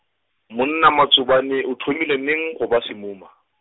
monna Matsobane o thomile neng, go ba semuma.